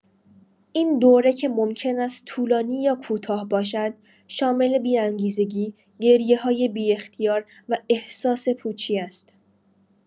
این دوره که ممکن است طولانی یا کوتاه باشد، شامل بی‌انگیزگی، گریه‌های بی‌اختیار و احساس پوچی است.